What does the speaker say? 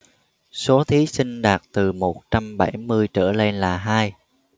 số thí sinh đạt từ một trăm bảy mươi trở lên là hai